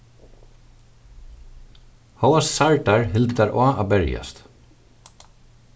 hóast særdar hildu tær á at berjast